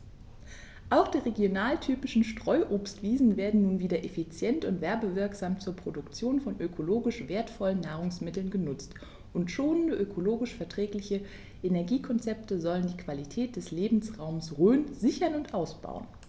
Auch die regionaltypischen Streuobstwiesen werden nun wieder effizient und werbewirksam zur Produktion von ökologisch wertvollen Nahrungsmitteln genutzt, und schonende, ökologisch verträgliche Energiekonzepte sollen die Qualität des Lebensraumes Rhön sichern und ausbauen.